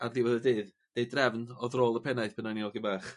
ar diwedd y dydd deu' drefn odd rôl y pennaeth pan o'n i'n ogyn bach.